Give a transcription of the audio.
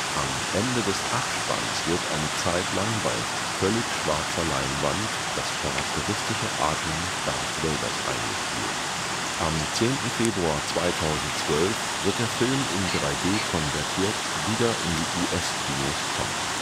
Am Ende des Abspanns wird eine Zeit lang bei völlig schwarzer Leinwand das charakteristische Atmen Darth Vaders eingespielt. Am 10. Februar 2012 wird der Film in 3D konvertiert wieder in die (US -) Kinos kommen